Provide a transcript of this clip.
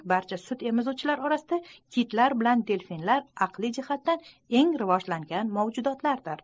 barcha sut emizuvchilar orasida kitlar bilan del'finlar aqliy jihatdan eng rivojlangan mavjudotlardir